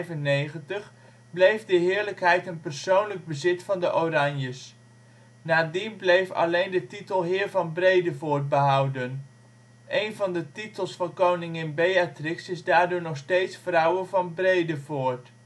in 1795 bleef de heerlijkheid een persoonlijk bezit van de Oranjes. Nadien bleef alleen de titel " Heer van Bredevoort " behouden. Een van de titels van Koningin Beatrix is daardoor nog steeds ' vrouwe van Bredevoort